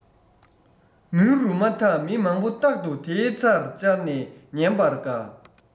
མུན རུབ མ ཐག མི མང པོ རྟག དུ དེའི རྩར བཅར ནས ཉན པར དགའ